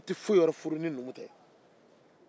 ne tɛ foyi wɛrɛ furu ni numu